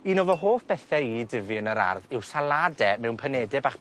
Un o fy hoff bethe i i dyfu yn yr ardd yw salade mewn panede bach